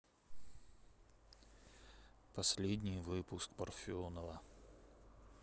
последний выпуск парфенова